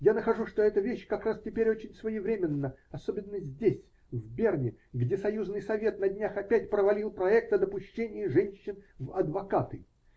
Я нахожу, что эта вещь как раз теперь очень своевременна, особенно здесь, в Берне, где союзный совет на днях опять провалил проект о допущении женщин в адвокаты.